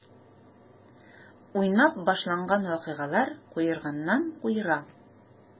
Уйнап башланган вакыйгалар куерганнан-куера.